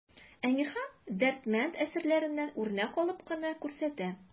Әмирхан, Дәрдемәнд әсәрләреннән үрнәк алып кына күрсәтә.